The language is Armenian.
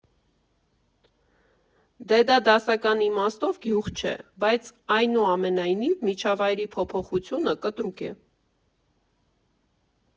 Դե դա դասական իմաստով գյուղ չէ, բայց այնուամենայնիվ միջավայրի փոփոխությունը կտրուկ է.